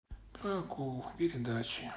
про акул передачи